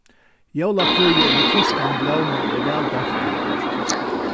jólaprýði við turkaðum blómum er væl dámt í ár